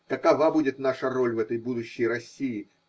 Какова будет наша роль в этой будущей России.